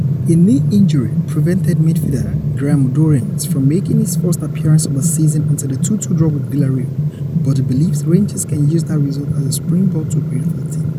A knee injury prevented midfielder Graham Dorrans from making his first appearance of the season until the 2-2 draw with Villarreal but he believes Rangers can use that result as a springboard to greater things.